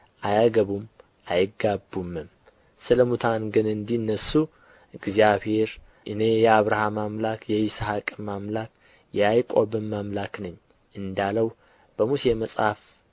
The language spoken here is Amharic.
አይጋቡምም ስለ ሙታን ግን እንዲነሡ እግዚአብሔር እኔ የአብርሃም አምላክ የይስሐቅም አምላክ የያዕቆብም አምላክ ነኝ እንዳለው በሙሴ መጽሐፍ